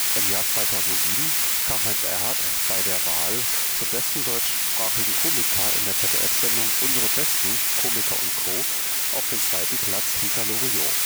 Im Jahr 2007 kam Heinz Erhardt bei der Wahl zum besten deutschsprachigen Komiker in der ZDF-Sendung „ Unsere Besten – Komiker & Co. " auf den zweiten Platz hinter Loriot